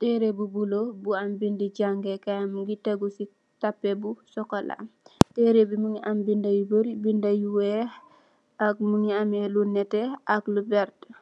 Tereh bu blue bu am bindi jangeh kai Mungi tegu sey tapeh bu sokola tereh bi Mungi am binda yu barri binda yu weih ak Mungi ameh lu neteh ak lu verteh